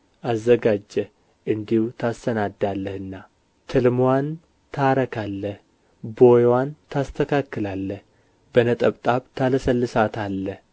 አዘጋጀህ እንዲሁ ታሰናዳለህና ትልምዋን ታረካለህ ቦይዋንም ታስተካክላለህ በነጠብጣብ ታለሰልሳታለህ